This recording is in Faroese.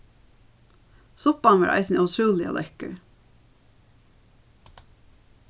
suppan var eisini ótrúliga lekkur